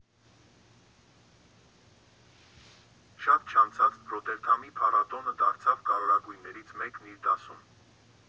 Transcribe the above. Շատ չանցած, Ռոտերդամի փառատոնը դարձավ կարևորագույններից մեկն իր դասում։